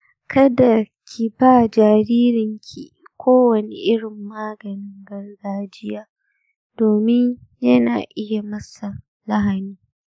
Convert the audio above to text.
kada ki ba jaririnki kowane irin maganin gargajiya domin yana iya yi masa lahani